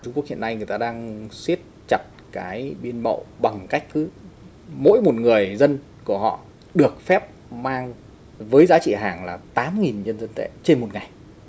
trung quốc hiện nay người ta đang siết chặt cái biên mậu bằng cách cứ mỗi một người dân của họ được phép mang với giá trị hàng là tám nghìn trên thực tế trên một ngày